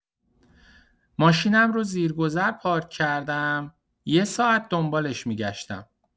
ماشینم رو زیر گذر پارک کردم، یه ساعت دنبالش می‌گشتم!